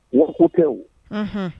Waga ko kɛ